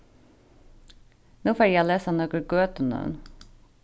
nú fari eg at lesa nøkur gøtunøvn